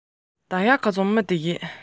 ཡོད ཚད ང ལ ལྷུག པོར བརྗོད བྱུང